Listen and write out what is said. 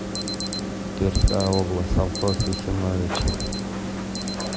тверская область совхоз есиновичи